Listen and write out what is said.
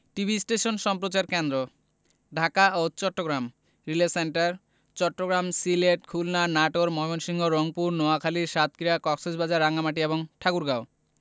TV station সম্প্রচার কেন্দ্রঃ ঢাকা ও চট্টগ্রাম রিলে সেন্টার চট্টগ্রাম সিলেট খুলনা নাটোর ময়মনসিংহ রংপুর নোয়াখালী সাতক্ষীরা কক্সবাজার রাঙ্গামাটি এবং ঠাকুরগাঁও